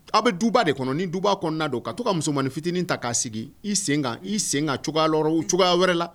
Aw bɛ duba de kɔnɔ ni duba kɔnɔ na don ka to ka musomani fitinin ta k'a sigi i sen i sen cogoya yɔrɔ u cogoya wɛrɛ la